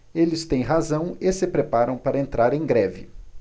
eles têm razão e se preparam para entrar em greve